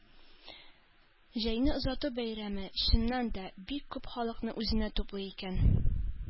Җәйне озату бәйрәме, чыннан да, бик күп халыкны үзенә туплый икән.